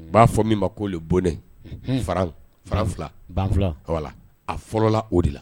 U b'a fɔ min ma ko' bonɛwala a fɔlɔla o de la